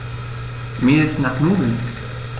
Mir ist nach Nudeln.